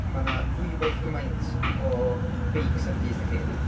Ma' 'na ddwywaith gymaint o beics ar y byd 'na ceir.